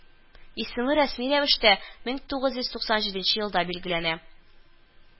Исеме рәсми рәвештә мең тугыз йөз туксан җиденче елда билгеләнә